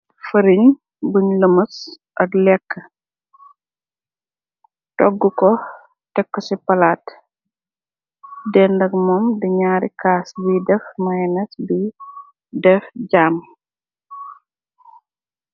Fariñ buñ lëmës ak lekk toggu ko tekk ci palaat dendak moom di ñaari kaas biy def myénes bi def jaam.